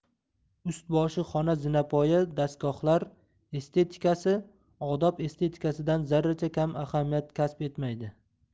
ust bosh xona zinapoya dastgohlar estetikasi odob estetikasidan zarracha kam ahamiyat kasb etmaydi